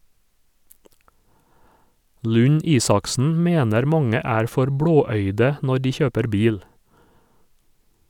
Lund-Isaksen mener mange er for blåøyde når de kjøper bil.